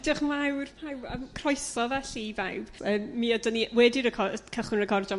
Dio'ch yn fawr pawb yrm croeso felly i bawb yrm mi ydan ni wedi reco- yrr cychwyn recordio.